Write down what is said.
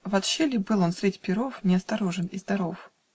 Вотще ли был он средь пиров Неосторожен и здоров?